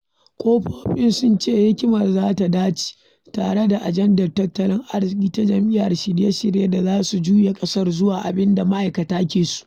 Kafofin sun ce hikimar za ta 'dace' tare da ajandar tattalin arziki ta jam'iyyar da shirye-shirye da za su juya ƙasar zuwa abin da ma'aikata ke so.